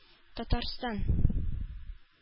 Татарстан